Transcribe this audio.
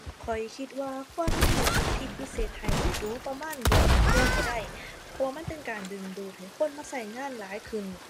ข้อยคิดว่าควรมีสิทธิพิเศษให้ดู๋ดู๋ ประมาณเดือนละเทื่อก็ได้ เพราะว่ามันเป็นการดึงดูดให้คนมาก็งานหลายขึ้น